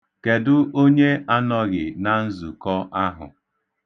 Kedụ onye anọghị na nzukọ ahụ?